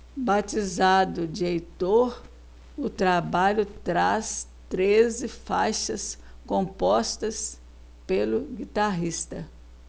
batizado de heitor o trabalho traz treze faixas compostas pelo guitarrista